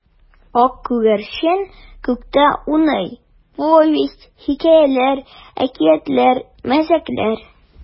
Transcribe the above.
Ак күгәрчен күктә уйный: повесть, хикәяләр, әкиятләр, мәзәкләр.